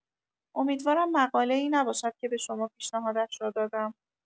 امیدوارم مقاله‌ای نباشد که به شما پیشنهادش را دادم.